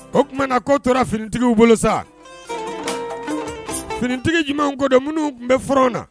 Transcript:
O tumaumana na k'o tora finitigitigiww bolo sa ftigi jumɛn kodɔn minnu tun bɛ fw na